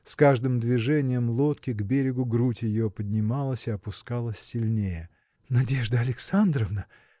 С каждым движением лодки к берегу грудь ее поднималась и опускалась сильнее. – Надежда Александровна!.